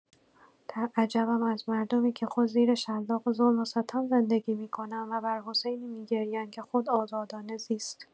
در عجبم از مردمی که خود زیر شلاق ظلم و ستم زندگی می‌کنند و بر حسینی می‌گریند که خود آزادانه زیست.